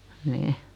niin